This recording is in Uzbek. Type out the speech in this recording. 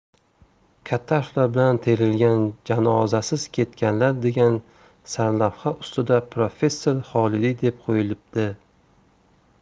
katta harflar bilan terilgan janozasiz ketganlar degan sarlavha ustida professor xolidiy deb qo'yilibdi